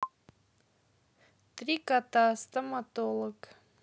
три кота стоматолог